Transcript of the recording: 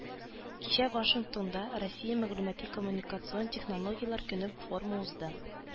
Кичә Вашингтонда “Россия мәгълүмати-коммуникацион технологияләр көне” форумы узды.